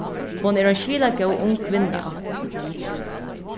hon er ein skilagóð ung kvinna